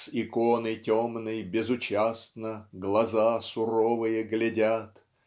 С иконы темной безучастно Глаза суровые глядят.